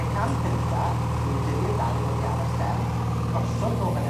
y cam cynta yw i dynnu'r dail oddi ar y stem, gosod nw yn y